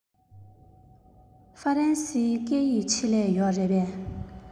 ཧྥ རན སིའི སྐད ཡིག ཆེད ལས ཡོད རེད པས